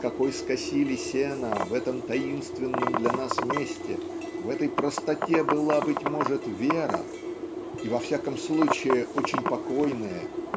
с какой скосили сено в этом таинственном для нас месте в этой простоте была быть может вера и во всяком случае очень покойное